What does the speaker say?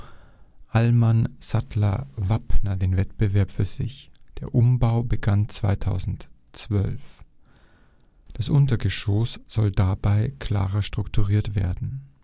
Allmann Sattler Wappner den Wettbewerb für sich. Der Umbau begann 2012. Das Untergeschoss soll dabei klarer strukturiert werden